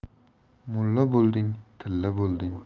mulla bo'lding tilla bo'lding